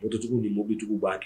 Npogotujugu ni mobijugu b'a kɛ